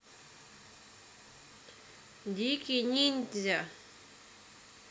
дикий ниндзя